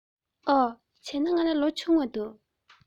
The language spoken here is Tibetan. འོ བྱས ན ང ལོ ཆུང བ འདུག